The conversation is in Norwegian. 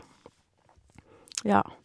Ja.